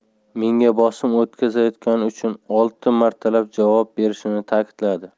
menga bosim o'tkazayotgani uchun 'olti martalab' javob berishini ta'kidladi